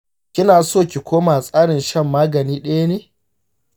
kina so ki koma tsarin shan magani ɗaya ne?